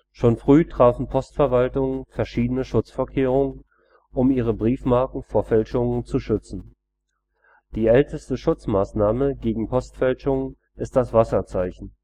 Schon früh trafen Postverwaltungen verschiedene Schutzvorkehrungen, um ihre Briefmarken vor Fälschungen zu schützen. Die älteste Schutzmaßnahme gegen Postfälschungen ist das Wasserzeichen